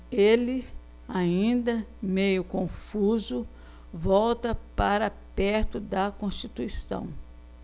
ele ainda meio confuso volta para perto de constituição